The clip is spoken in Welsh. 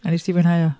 A wnest ti fwynhau o?